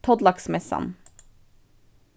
tollaksmessan